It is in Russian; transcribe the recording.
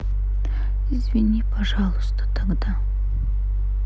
извини пожалуйста тогда